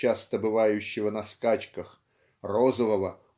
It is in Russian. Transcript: часто бывающего на скачках розового